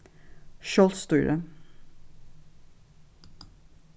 sjálvstýri